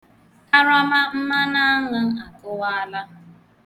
Karama mmanụaṅụ akụwala.